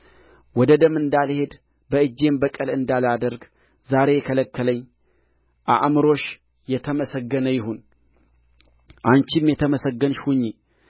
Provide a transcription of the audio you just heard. ወደ ደም እንዳልሄድ በእጄም በቀል እንዳላደርግ ዛሬ የከለከለኝ አእምሮሽ የተመሰገነ ይሁን አንቺም የተመሰገንሽ ሁኚ